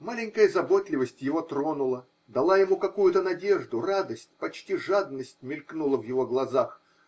Маленькая заботливость его тронула, дала ему какую-то надежду, радость, почти жадность мелькнула в его глазах